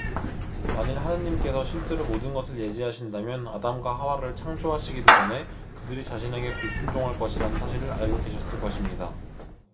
만일 하느님께서 실제로 모든 것을 예지하신다면 아담과 하와를 창조하시기도 전에 그들이 자신에게 불순종할 것이라는 사실을 알고 계셨을 것입니다